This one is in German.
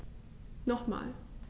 Nochmal.